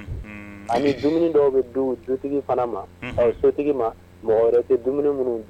Dɔw mɔgɔ wɛrɛ tɛ minnu